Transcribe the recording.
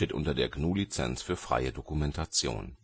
unter der GNU Lizenz für freie Dokumentation